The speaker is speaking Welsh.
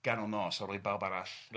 ganol nos, ar ôl i bawb arall... Reit